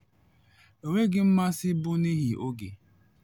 Enweghị mmasị bụ n’ihi oge.